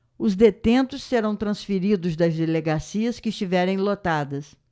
os detentos serão transferidos das delegacias que estiverem lotadas